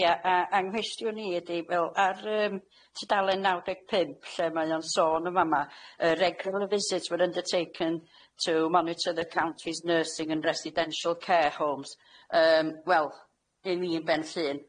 Ia a a anghwestiwn i ydi fel ar yym tudalen naw deg pump lle mae o'n sôn yn fama yy regular visits were undertaken to monitor the county's nursing and residential care homes yym wel yn un i'n Benllyn.